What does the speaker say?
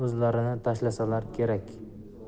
o'zlarini tashlasalar kerak